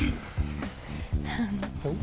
nha